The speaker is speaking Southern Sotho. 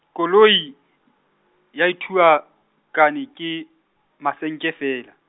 koloi, ya e thuakane, ke, masenke feela.